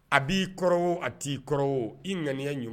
A b'i kɔrɔ a t'i kɔrɔ i ŋaniya ɲuman